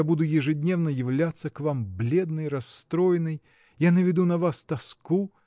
я буду ежедневно являться к вам бледный расстроенный. Я наведу на вас тоску.